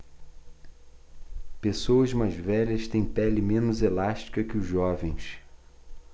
pessoas mais velhas têm pele menos elástica que os jovens